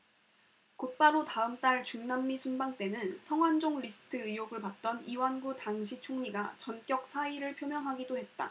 곧바로 다음달 중남미 순방 때는 성완종 리스트 의혹을 받던 이완구 당시 총리가 전격 사의를 표명하기도 했다